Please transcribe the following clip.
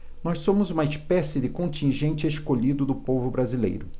nós somos uma espécie de contingente escolhido do povo brasileiro